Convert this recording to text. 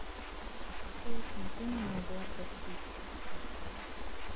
песня ты не могла простить